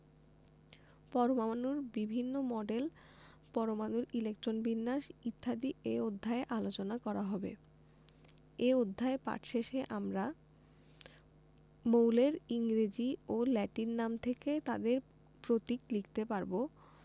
পরমাণুর বিভিন্ন মডেল পরমাণুর ইলেকট্রন বিন্যাস ইত্যাদি এ অধ্যায়ে আলোচনা করা হবে এ অধ্যায় পাঠ শেষে আমরা মৌলের ইংরেজি ও ল্যাটিন নাম থেকে তাদের প্রতীক লিখতে পারব